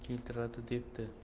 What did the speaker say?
qiron keltiradi debdi